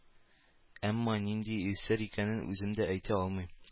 Әмма нинди сер икәнен үзем дә әйтә алмыйм